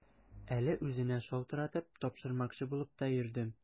Әле үзенә шалтыратып, тапшырмакчы булып та йөрдем.